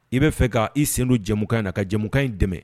I bɛa fɛ k' i sen don jamumukan in na ka jamumukan in dɛmɛ